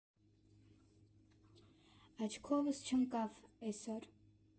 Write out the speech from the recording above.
Աչքովս չընկավ էսօր։